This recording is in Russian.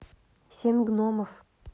семь гномов